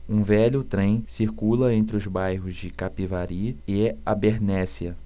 um velho trem circula entre os bairros de capivari e abernéssia